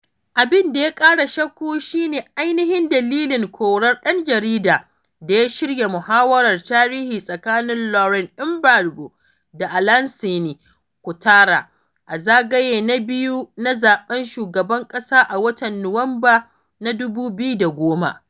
Abin da ya kara shakku shi ne ainihin dalilin korar ɗan jaridar da ya shirya muhawarar tarihi tsakanin Laurent Gbagbo da Alassane Ouattara a zagaye na biyu na zaɓen shugaban ƙasa a watan Nuwamba na 2010.